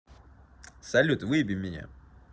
салют выеби меня